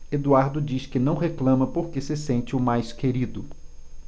eduardo diz que não reclama porque se sente o mais querido